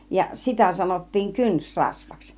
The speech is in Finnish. ja sitä sanottiin kynsirasvaksi